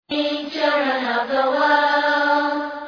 San yo yo